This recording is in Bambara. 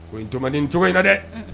Ko n toden cogo in na dɛ